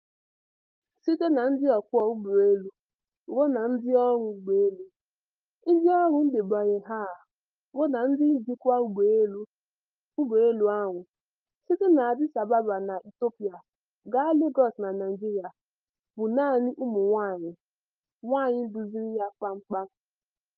Site na ndị ọkwọ ụgbọelu ruo na ndịọrụ ụgbọelu, ndịọrụ ndebanye aha ruo na ndị njikwa ụgbọelu, ụgbọelu ahụ — site na Addis Ababa na Ethiopia gaa Lagos na Naịjirịa — bụ naanị ụmụnwaanyị (nwaanyị) duziri ya kpamkpam.